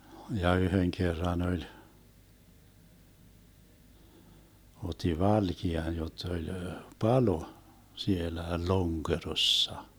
ja yhden kerran oli otti valkean jotta oli palo siellä Lonkerossa